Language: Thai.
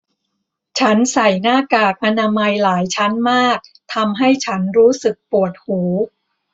ฉันใส่หน้ากากอนามัยหลายชั้นมากทำให้ฉันรู้สึกปวดหู